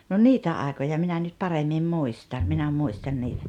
no niitä aikoja minä nyt paremmin muistan minä muistan niitä